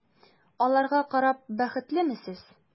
Аларга карап бәхетлеме сез?